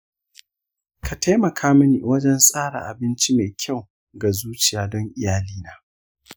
ka taimaka mani wajen tsara abinci mai kyau ga zuciya don iyalina.